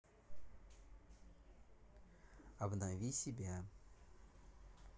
обнови себя